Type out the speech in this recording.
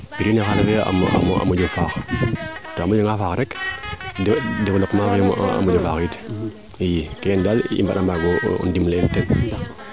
yaaga xaal fe xana moƴo faax kaa moƴo faax rek developpement moƴo faax it i keene daal waru mbaago ndimle in